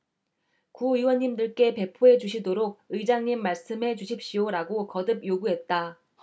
구의원님들께 배포해 주시도록 의장님 말씀해 주십시오라고 거듭 요구했다